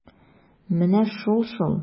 Менә шул-шул!